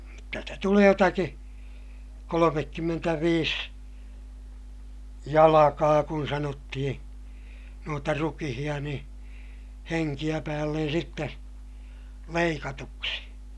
- jotta sitä tulee jotakin kolmekymmentäviisi jalkaa kun sanottiin noita rukiita niin henkeä päälle sitten leikatuksi